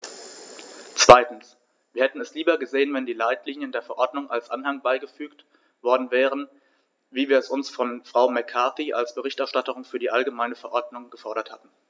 Zweitens: Wir hätten es lieber gesehen, wenn die Leitlinien der Verordnung als Anhang beigefügt worden wären, wie wir es von Frau McCarthy als Berichterstatterin für die allgemeine Verordnung gefordert hatten.